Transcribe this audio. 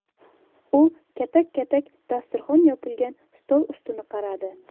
u katak katak dasturxon yopilgan stol ustini qaradi